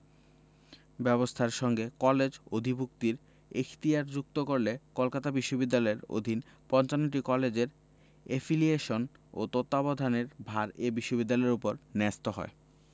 ব্যবস্থার সঙ্গে কলেজ অধিভুক্তির এখতিয়ার যুক্ত করলে কলকাতা বিশ্ববিদ্যালয়ের অধীন ৫৫টি কলেজের এফিলিয়েশন ও তত্ত্বাবধানের ভার এ বিশ্ববিদ্যালয়ের ওপর ন্যস্ত হয়